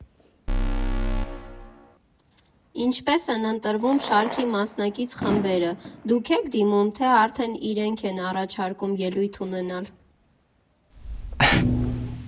Ինչպե՞ս են ընտրվում շարքի մասնակից խմբերը, դու՞ք եք դիմում, թե արդեն իրենք են առաջարկում ելույթ ունենալ։